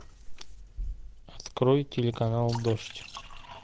открой телеканал дождь